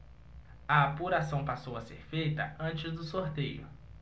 a apuração passou a ser feita antes do sorteio